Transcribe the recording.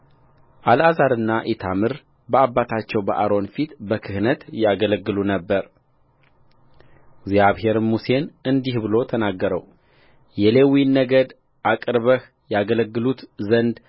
አልዓዛርና ኢታምር በአባታቸው በአሮን ፊት በክህነት ያገለግሉ ነበርእግዚአብሔርም ሙሴን እንዲህ ብሎ ተናገረውየሌዊን ነገድ አቅርበህ ያገለግሉት ዘንድ